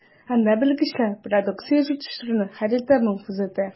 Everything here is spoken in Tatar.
Анда белгечләр продукция җитештерүнең һәр этабын күзәтә.